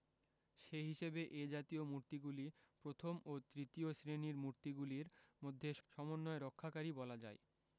সে হিসেবে এ জাতীয় মূর্তিগুলি প্রথম ও তৃতীয় শ্রেণির মূর্তিগুলির মধ্যে সমন্বয় রক্ষাকারী বলা যায়